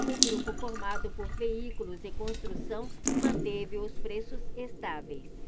o grupo formado por veículos e construção manteve os preços estáveis